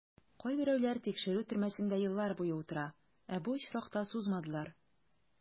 Кайберәүләр тикшерү төрмәсендә еллар буе утыра, ә бу очракта сузмадылар.